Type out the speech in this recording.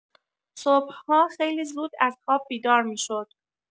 صبح‌ها خیلی زود از خواب بیدار می‌شد.